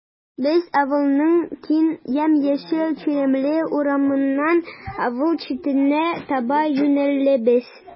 Без авылның киң, ямь-яшел чирәмле урамыннан авыл читенә таба юнәләбез.